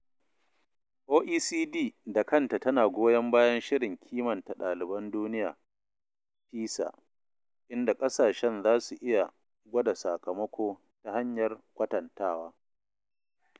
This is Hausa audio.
OECD da kanta tana goyon bayan Shirin Kimanta Ɗaliban Duniya (PISA), inda ƙasashen za su iya gwada sakamako ta hanyar kwatantawa.